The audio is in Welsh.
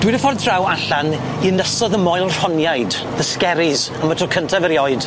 Dwi'n y ffordd draw allan i Ynysodd y Moel Rhoniaid, The Scerries, ym y tro cyntaf erioed.